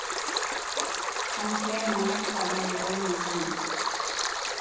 hann tjenar nógvar milliónir nú